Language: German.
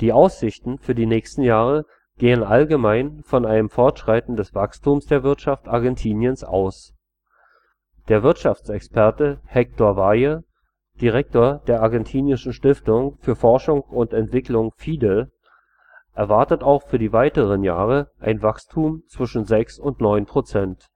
Die Aussichten für die nächsten Jahre gehen allgemein von einem Fortschreiten des Wachstums der Wirtschaft Argentiniens aus. Der Wirtschaftsexperte Héctor Valle, Direktor der argentinischen Stiftung für Forschung und Entwicklung Fide, erwartet auch für die weiteren Jahre ein Wachstum zwischen 6 und 9 %,